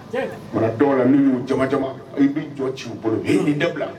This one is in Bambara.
Tiɲɛ! A dɔw la n'u y'u jaman jaman i bɛ jɔ ci u bolo he nin dabila!